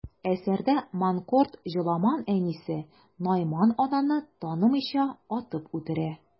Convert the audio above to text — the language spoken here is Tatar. Әсәрдә манкорт Җоламан әнисе Найман ананы танымыйча, атып үтерә.